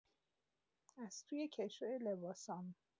از توی کشوی لباسام